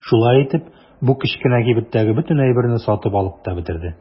Шулай итеп бу кечкенә кибеттәге бөтен әйберне сатып алып та бетерде.